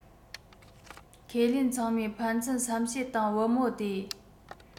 ཁས ལེན ཚང མས ཕན ཚུན བསམ ཤེས དང བུ མོ སྟེ